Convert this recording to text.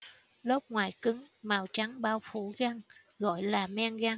lớp ngoài cứng màu trắng bao phủ răng gọi là men răng